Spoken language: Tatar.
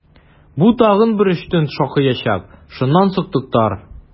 Бу тагын бер өч төн шакыячак, шуннан соң туктар!